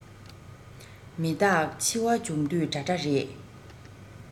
མི རྟག འཆི བ བྱུང དུས འདྲ འདྲ རེད